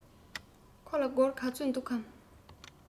ཁོ ལ སྒོར ག ཚོད འདུག གམ